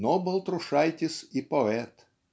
Но Балтрушайтис - и поэт.